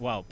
waaw